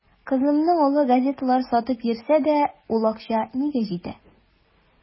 Кызымның улы газеталар сатып йөрсә дә, ул акча нигә җитә.